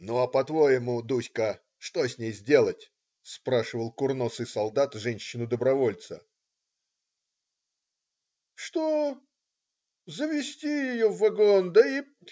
"Ну, а по-твоему, Дуська, что с ней сделать?" - спрашивал курносый солдат женщину-добровольца. "Что? - завести ее в вагон да и.